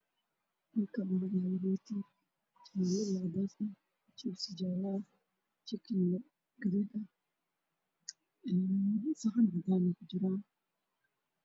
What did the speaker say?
Halkaan waxaa yaalo rooti jaale iyo cadeys ah, jibsi jaale ah, jikin gaduud ah waxay kujiraan saxan cadaan ah.